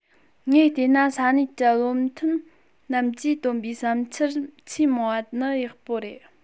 ངས བལྟས ན ས གནས ཀྱི བློ མཐུན རྣམས ཀྱིས བཏོན པའི བསམ འཆར ཆེས མང བ ནི ཡག པོ རེད